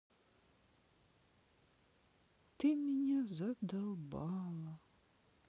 ты меня задолбала